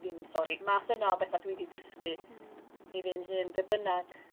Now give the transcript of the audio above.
ddim yn sori math yno o betha dw i 'di dysgu... Mmm m-hm. ...i fi'n hyn be' bynnag